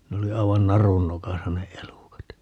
ne oli aivan narun nokassa ne elukat